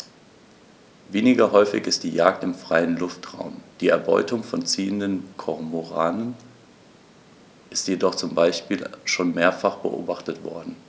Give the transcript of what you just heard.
Weniger häufig ist die Jagd im freien Luftraum; die Erbeutung von ziehenden Kormoranen ist jedoch zum Beispiel schon mehrfach beobachtet worden.